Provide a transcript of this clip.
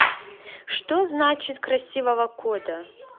что значит красивого кода